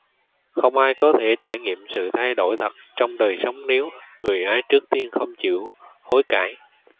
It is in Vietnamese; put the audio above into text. không ai có thể trải nghiệm sự thay đổi thật trong đời sống nếu người ấy trước tiên không chịu hối cải